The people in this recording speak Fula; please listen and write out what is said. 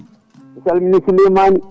mi salmini Souleymany